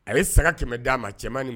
A bɛ saga kɛmɛ d'a ma cɛman nin